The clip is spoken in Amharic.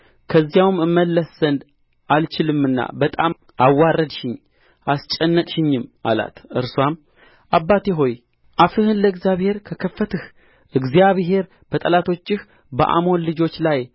ከዚያውም እመለስ ዘንድ አልችልምና በጣም አዋረድሽኝ አስጨነቅሽኝም አላት እርስዋም አባቴ ሆይ አፍህን ለእግዚአብሔር ከከፈትህ እግዚአብሔር በጠላቶችህ በአሞን ልጆች ላይ